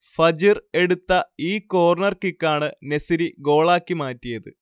Fajr എടുത്ത ഈ corner കിക്കാണ് നെസിരി ഗോളാക്കി മാറ്റിയത്